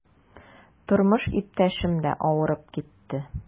Тормыш иптәшем дә авырып китте.